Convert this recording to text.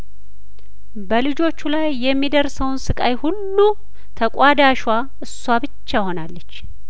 በልጆቹ ላይ የሚደርሰውን ስቃይሁሉ ተቋዳሿ እሷ ብቻ ሆናለች